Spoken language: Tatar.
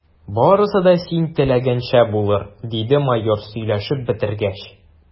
Барысы да син теләгәнчә булыр, – диде майор, сөйләшеп бетергәч.